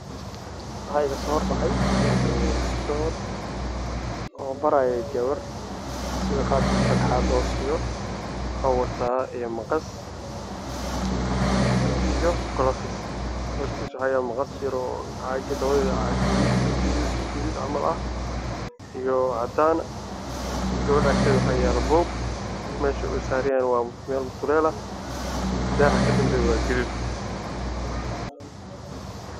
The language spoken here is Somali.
Waxaa iga soo hor baxay diktoor oo gabar waxbaraayo wuxuu wataa maqas iyo galoofis